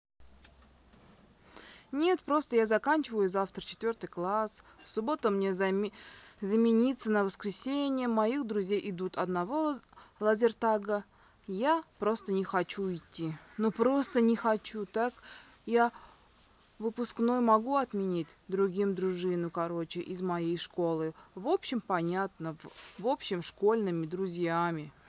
нет просто я заканчиваю завтра четвертый класс в субботу мне заменится на воскресенье моих друзей идут одного лазертага я просто не хочу идти но просто не хочу так я пускной могу отметить другим дружину короче из моей школы в общем понятно в общем школьными друзьями